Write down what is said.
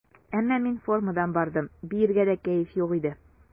Әмма мин формадан бардым, биергә дә кәеф юк иде.